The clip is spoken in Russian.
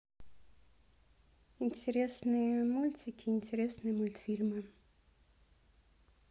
интересные мультики интересные мультфильмы